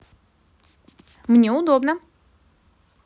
мне удобно